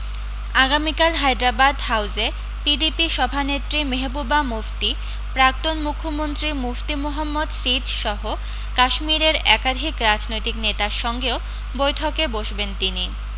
আগামীকাল হায়দরাবাদ হাউসে পিডিপি সভানেত্রী মেহবুবা মুফতি প্রাক্তন মুখ্যমন্ত্রী মুফতি মোহম্মদ সিদ সহ কাশ্মীরের একাধিক রাজনৈতিক নেতার সঙ্গেও বৈঠকে বসবেন তিনি